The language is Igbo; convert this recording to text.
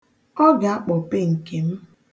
Ọ ga-akpọpe nke m.